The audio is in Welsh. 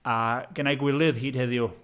A genna i gywilydd hyd heddiw.